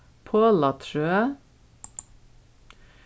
polatrøð